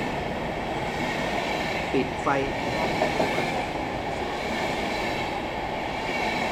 ปิดไฟในห้องครัวในอีกสิบนาที